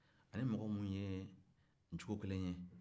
a ni mɔgɔ minnu ye jogo kelen ye